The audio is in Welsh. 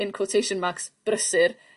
in quotation marks brysur